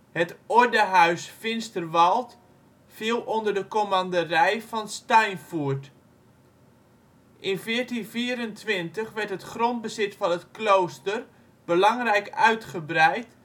Het ordehuis Fynsterwald viel onder de commanderij van Steinfurt. In 1424 werd het grondbezit van het klooster belangrijk uitgebreid